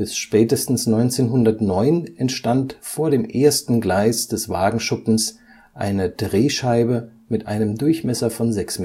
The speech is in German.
spätestens 1909 entstand vor dem ersten Gleis des Wagenschuppens eine Drehscheibe mit einem Durchmesser von 6,5